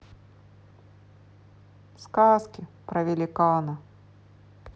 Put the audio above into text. сказки про великана